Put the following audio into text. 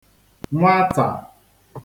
nwatà